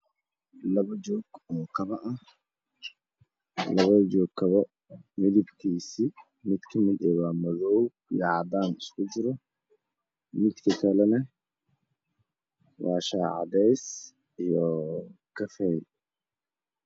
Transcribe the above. Waa labo kabo oo joog ah isku mid ah midabkooda waa midooday caddaan kuwa kale waa kafee